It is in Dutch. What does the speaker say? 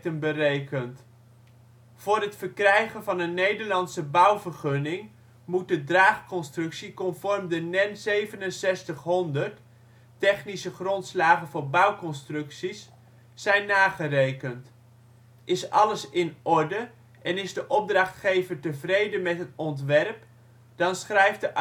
berekent. Voor het verkrijgen van een Nederlandse bouwvergunning moet de draagconstructie conform de NEN 6700 (Technische Grondslagen voor Bouwconstructies - TGB) zijn nagerekend. Is alles in orde en is de opdrachtgever tevreden met het ontwerp, dan schrijft de